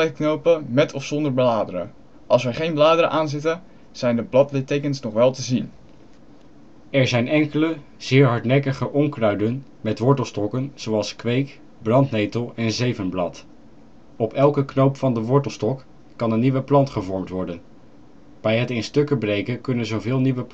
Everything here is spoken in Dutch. knopen met of zonder bladeren. Als er geen bladeren aanzitten zijn de bladlittekens nogwel te zien. Er zijn enkele zeer hardnekkige onkruiden met wortelstokken zoals kweek, brandnetel en zevenblad. Op elke knoop van de wortelstok kan een nieuwe plant gevormd worden. Bij het in stukken breken kunnen zo veel nieuwe